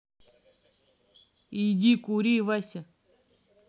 иди кури вася